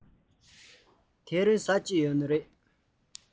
དེ རིང གཟའ གང རས